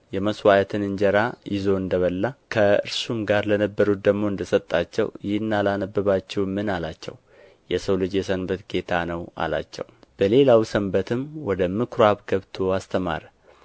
የመሥዋዕትን እንጀራ ይዞ እንደ በላ ከእርሱም ጋር ለነበሩት ደግሞ እንደ ሰጣቸው ይህን አላነበባችሁምን አለ የሰው ልጅ የሰንበት ጌታ ነው አላቸውም በሌላው ሰንበትም ወደ ምኵራብ ገብቶ አስተማረ